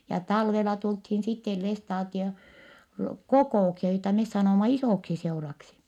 ja talvella tultiin sitten - kokouksia joita me sanoimme isoksiseuraksi